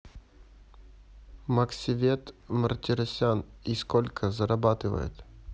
максивет мартиросян и сколько зарабатывает